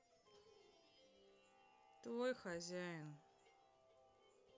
твой хозяин